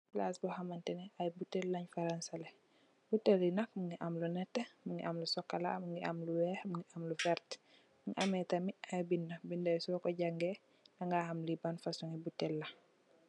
Palaas bo hamantene, ay buteel leen fa rangsalè, buteel yi nak mungi am lu nètè, mungi am lu sokola, mungi am lu weeh, mungi am lu vert. Mu ameh tamit ay binda, binda yi soko jàngay daga ham li ban fasung ngi buteel la.